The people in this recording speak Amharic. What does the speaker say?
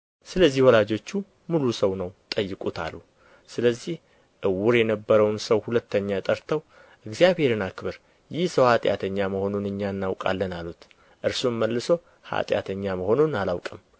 ስለዚህ ወላጆቹ ሙሉ ሰው ነው ጠይቁት አሉ ስለዚህ ዕውር የነበረውን ሰው ሁለተኛ ጠርተው እግዚአብሔርን አክብር ይህ ሰው ኃጢአተኛ መሆኑን እኛ እናውቃለን አሉት እርሱም መልሶ ኃጢአተኛ መሆኑን አላውቅም